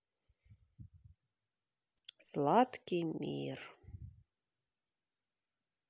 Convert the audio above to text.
сладкий мир